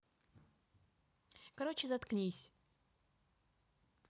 короче заткнись